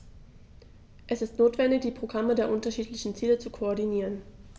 Es ist notwendig, die Programme der unterschiedlichen Ziele zu koordinieren.